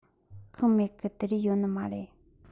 ཁག མེད གི དེ རས ཡོད ནི མ རེད